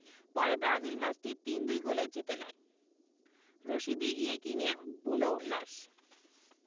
পরে ব্রাজিল ম্যাচটি ৩ ২ গোলে জিতে নেয় রশিদী ইয়েকিনীর বুনো উল্লাস